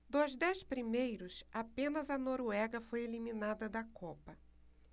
dos dez primeiros apenas a noruega foi eliminada da copa